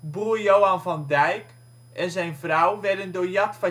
Boer Johan van Dijk en zijn vriouw werden door Yad